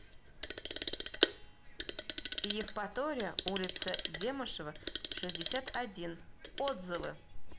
евпатория улица демышева шестьдесят один отзывы